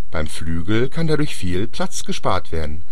Beim Flügel kann dadurch viel Platz gespart werden